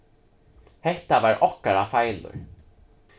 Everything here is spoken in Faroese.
hetta var okkara feilur